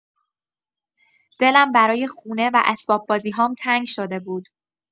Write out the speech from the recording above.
دلم برای خونه و اسباب‌بازی‌هام تنگ شده بود.